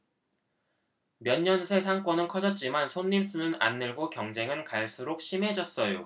몇 년 새 상권은 커졌지만 손님 수는 안 늘고 경쟁은 갈수록 심해졌어요